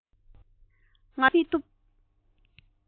ང ལ མགོ སྐོར གཏོང མི ཐུབ